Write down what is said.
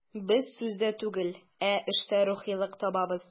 Без сүздә түгел, ә эштә рухилык табабыз.